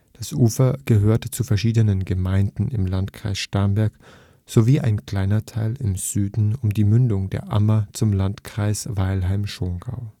Ostufer gehört zu verschiedenen Gemeinden im Landkreis Starnberg, sowie ein kleiner Teil im Süden um die Mündung der Ammer zum Landkreis Weilheim-Schongau